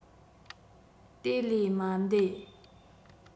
དེ ལས མ འདས